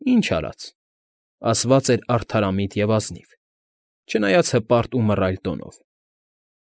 Ինչ արած։ Ասված էր արդարամիտ և ազնիվ, չնայած հպարտ ու մռայլ տոնով։